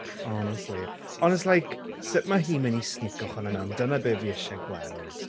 Honestly ond it's like sut mae hi'n mynd i snicio hwnna mewn dyna be fi isie gweld.